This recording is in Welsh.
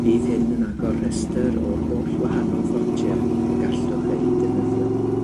Bydd hyn yn agor rhester o'r holl wahanol ffontiau y gallwch eu defnyddio.